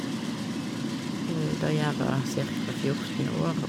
Da jeg var cirka fjorten år.